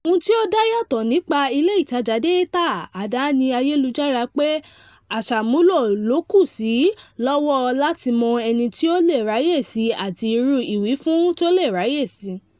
Ohun tí ó dá yàtọ̀ nípa ilé ìtàjà dátà àdáni ayelujára pé aṣàmúlò ló kù sí lọ́wọ́ láti mọ ẹni tí ó le ráyèsí àti irú ìwífún tó le ráyèsí.